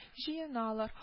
Җыеналар